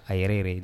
A yɛrɛ yɛrɛ